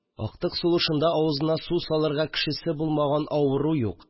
Актык сулышында авызына су салырга кешесе булмаган авыру юк